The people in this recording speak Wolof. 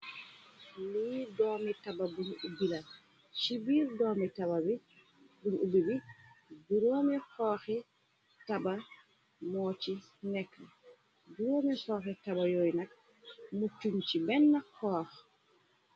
Lii doomi taba buñ ubbi la ci biir doomi taba buñ ubbi bi buróomi xooxi taba moo ci nekk buróomi xooxi taba yooy nak muccum ci benn xoox.